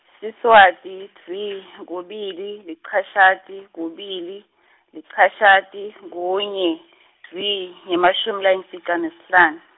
Siswati dvwi, kubili, licashata, kubili, licashata, kunye, dvwi, ngemashumi layimfica nesihlan-.